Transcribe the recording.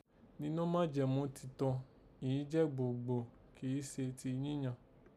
Ninọ́ majẹmu titọn, ìyìn jẹ́ gbòǹgbò, kì í se ti yíyàn